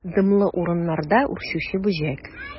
Дымлы урыннарда үрчүче бөҗәк.